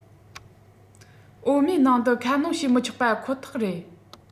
འོ མའི ནང དུ ཁ སྣོན བྱེད མི ཆོག པ ཁོ ཐག རེད